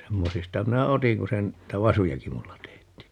semmoisista minä otin kun se - niitä vasujakin minulla teetti